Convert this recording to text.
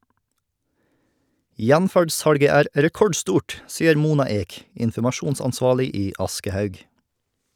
"Gjenferd-salget" er rekordstort, sier Mona Ek, informasjonsansvarlig i Aschehoug.